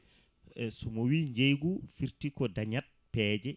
e somo wi jeeygu fiirti ko dañate peeje